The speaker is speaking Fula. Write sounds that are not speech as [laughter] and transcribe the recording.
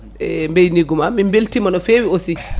e mbaynigu ma min beltima hen no fewi aussi [clears throat]